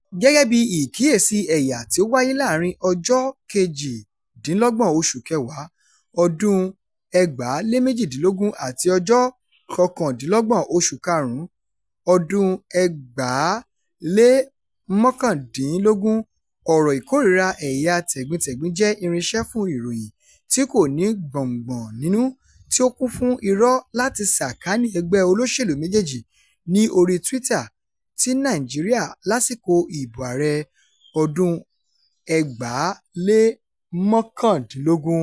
Gẹ́gẹ́ bí ìkíyèsí ẹ̀yà tí ó wáyé láàárín ọjọ́ 28 oṣù kẹwàá, 2018, àti ọjọ́ 29, oṣù karùn-ún 2019, ọ̀rọ̀ ìkórìíra ẹ̀yà tẹ̀gbintẹ̀gbin jẹ́ irinṣẹ́ fún ìròyìn tí kò ní gbọ́ngbọ́n ń'nú tí ó kún fún irọ́ láti sàkání ẹgbẹ́ olóṣèlú méjèèjì ní oríi Twitter ti Nàìjíríà lásìkò ìbò ààrẹ 2019.